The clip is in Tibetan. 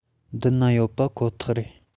འདི ན ཡོད པ ཁོ ཐག རེད